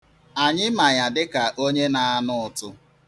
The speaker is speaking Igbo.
Anyị ma ya dịka onye na-ana ụtụ.